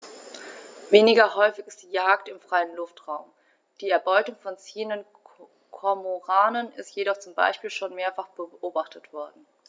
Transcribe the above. Weniger häufig ist die Jagd im freien Luftraum; die Erbeutung von ziehenden Kormoranen ist jedoch zum Beispiel schon mehrfach beobachtet worden.